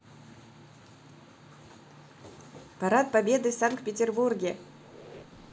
парад победы в санкт петербурге